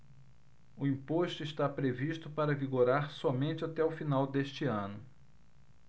o imposto está previsto para vigorar somente até o final deste ano